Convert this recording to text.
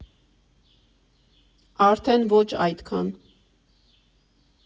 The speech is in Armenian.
Արդեն ոչ այդքան։